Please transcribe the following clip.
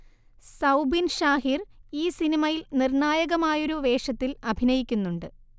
സൗബിൻ ഷാഹിർ ഈ സിനിമയിൽ നിർണായകമായൊരു വേഷത്തിൽ അഭിനയിക്കുന്നുണ്ട്